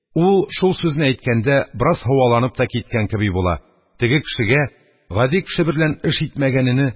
Ул, шул сүзне әйткәндә, бераз һаваланып та киткән кеби була; теге кешегә гади кеше берлән эш итмәгәнене,